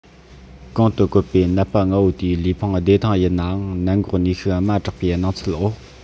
གོང དུ བཀོད པའི ནད པ ལྔ བོ དེའི ལུས ཕུང བདེ ཐང ཡིན ནའང ནད འགོག ནུས ཤུགས དམའ དྲག པའི སྣང ཚུལ འོག